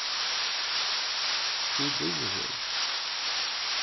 tú búði her